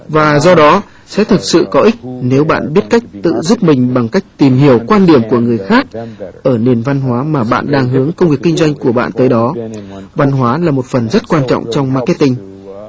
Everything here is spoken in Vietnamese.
và do đó sẽ thật sự có ích nếu bạn biết cách tự giúp mình bằng cách tìm hiểu quan điểm của người khác ở nền văn hóa mà bạn đang hướng công việc kinh doanh của bạn tới đó văn hóa là một phần rất quan trọng trong ma két tin